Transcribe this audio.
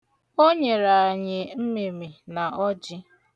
O nyere anyị mmịmị na ọjị.